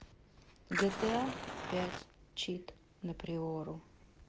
гта пять чит на приору